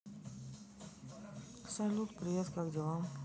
салют привет как дела